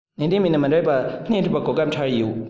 ཏན ཏན མེད ན མི འགྲིག པ སྣེ ཁྲིད པ གོ སྐབས འཕྲད ཡོད